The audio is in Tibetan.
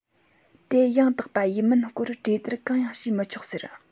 དེ ཡང དག པ ཡིན མིན སྐོར གྲོས བསྡུར གང ཡང བྱས མི ཆོག ཟེར